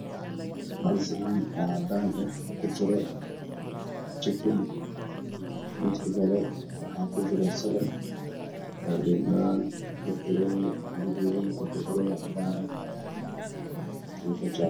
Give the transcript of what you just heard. Meeshan waxaa yaala miisaan yihiin saxmo ay ku jiraan ansalaato kaarooto iyo berbanooni cagaaran